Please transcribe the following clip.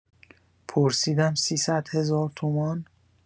پرسیدم سیصد هزار تومان؟!